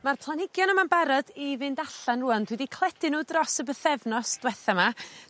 Ma'r planhigion yma'n barod i fynd allan rŵan dwi 'di cledu n'w dros y bythefnos dwetha 'ma